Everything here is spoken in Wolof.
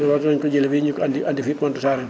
waaw dinañ ko jëlee fii ñu ko andi andi fii Pointe Sarene